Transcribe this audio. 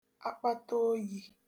akpatooyī